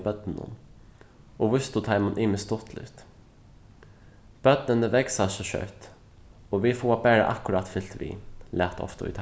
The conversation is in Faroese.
børnunum og vístu teimum ymiskt stuttligt børnini vaksa so skjótt og vit fáa bara akkurát fylgt við læt ofta í